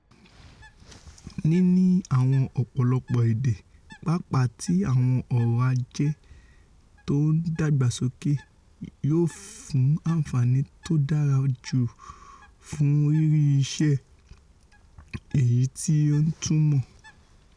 Níní àwọn ọ̀pọ̀lọpọ̀ èdè, paàpá ti àwọn ọ̀rọ̀-ajé tó ńdàgbàsóke, yóò fún àǹfààní tódára ju fún rírí iṣẹ́ èyití ó nítumọ̀.